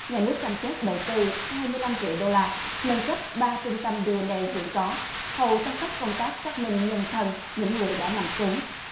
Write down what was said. nhà nước cam kết đầu tư hai mươi lăm triệu đô la nâng cấp ba trung tâm đi en ây hiện có hầu tăng tốc công tác xác minh nhân thân những người đã nằm xuống